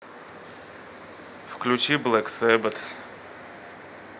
включи блэк сэббет